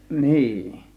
niin